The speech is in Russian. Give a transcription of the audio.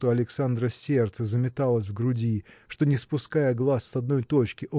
что у Александра сердце заметалось в груди что не спуская глаз с одной точки